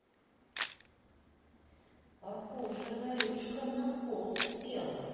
похоже варюшка на пол села